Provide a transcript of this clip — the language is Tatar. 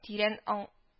Тирән аң